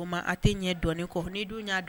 A tɛi ɲɛ dɔɔnin kɔ ni dun y'a